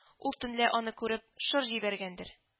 Ул төнлә аны күреп шыр җибәргәндер